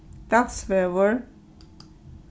dalsvegur